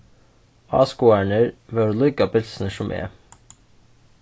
áskoðararnir vóru líka bilsnir sum eg